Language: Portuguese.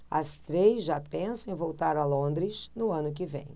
as três já pensam em voltar a londres no ano que vem